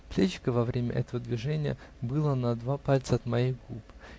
Плечико во время этого движения было на два пальца от моих губ.